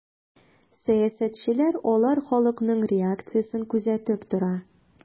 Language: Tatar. Сәясәтчеләр алар халыкның реакциясен күзәтеп тора.